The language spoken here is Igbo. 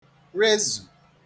rezù